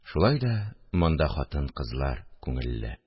Шулай да монда хатын-кызлар күңелле